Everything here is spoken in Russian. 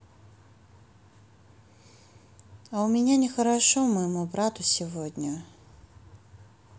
а у меня не хорошо моему брату сегодня